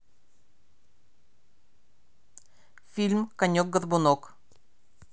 фильм конек горбунок